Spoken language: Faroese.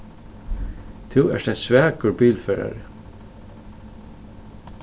tú ert ein svakur bilførari